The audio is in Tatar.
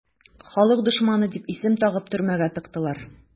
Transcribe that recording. "халык дошманы" дип исем тагып төрмәгә тыктылар.